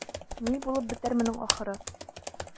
Ни булып бетәр моның ахыры?